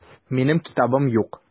Минем китабым юк.